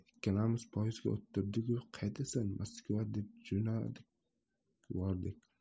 ikkalamiz poyizga o'tirdigu qaydasan maskov deb jo'nadik vordik